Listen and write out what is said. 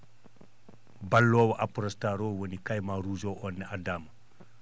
balloowo prono (apronstar ) o woni caiman rouge onne addaama